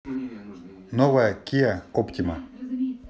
новая киа оптима